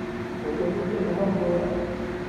เปิดเพลงลูกทุ่งในห้องครัว